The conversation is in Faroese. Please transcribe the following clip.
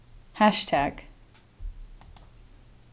hassjtagg